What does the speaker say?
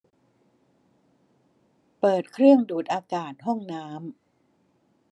เปิดเครื่องดูดอากาศห้องน้ำ